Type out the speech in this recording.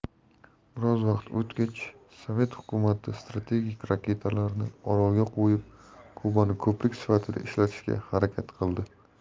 biroz vaqt o'tgach sovet hukumati strategik raketalarini orolga qo'yib kubani ko'prik sifatida ishlatishga harakat qildi